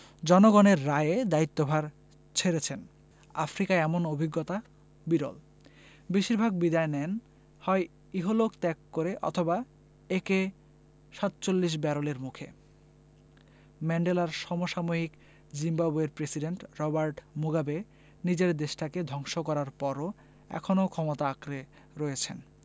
জনগণের রায়ে দায়িত্বভার ছেড়েছেন আফ্রিকায় এমন অভিজ্ঞতা বিরল বেশির ভাগ বিদায় নেন হয় ইহলোক ত্যাগ করে অথবা একে ৪৭ ব্যারেলের মুখে ম্যান্ডেলার সমসাময়িক জিম্বাবুয়ের প্রেসিডেন্ট রবার্ট মুগাবে নিজের দেশটাকে ধ্বংস করার পরও এখনো ক্ষমতা আঁকড়ে রয়েছেন